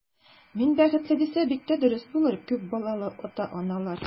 Мин бәхетле, дисә, бик тә дөрес булыр, күп балалы ата-аналар.